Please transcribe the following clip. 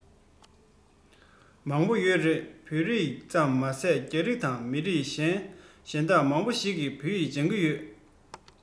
མང པོ ཡོད རེད བོད རིགས ཙམ མ ཟད རྒྱ རིགས དང མི རིགས གཞན དག མང པོ ཞིག གིས བོད ཡིག སྦྱང གི ཡོད རེད